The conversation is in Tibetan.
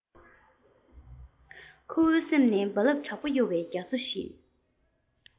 རྐུབ ལ ཚེར མ ཟུག པ ལྟར